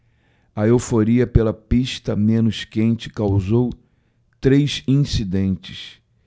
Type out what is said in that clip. a euforia pela pista menos quente causou três incidentes